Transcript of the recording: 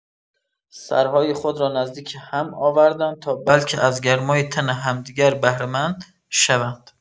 سرهای خود را نزدیک هم آوردند تا بلکه از گرمای تن همدیگر بهره‌مند شوند.